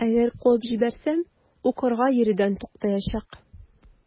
Әгәр куып җибәрсәм, укырга йөрүдән туктаячак.